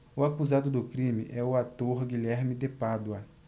o acusado do crime é o ator guilherme de pádua